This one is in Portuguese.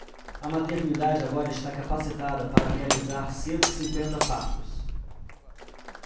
a maternidade agora está capacitada para realizar cento e cinquenta partos